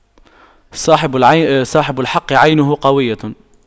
صاحب الحق عينه قوية